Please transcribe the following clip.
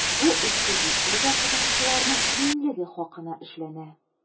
Бу экспедициядә катнашучыларның иминлеге хакына эшләнә.